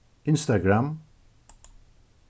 instagram